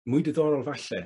mwy diddorol falle,